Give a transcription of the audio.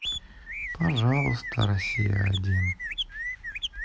пожалуйста россия один